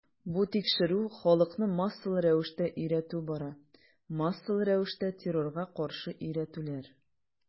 Бу тикшерү, халыкны массалы рәвештә өйрәтү бара, массалы рәвештә террорга каршы өйрәтүләр.